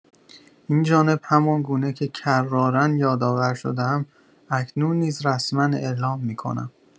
اینجانب همان‌گونه که کرارا یادآور شده‌ام اکنون نیز رسما اعلام می‌کنم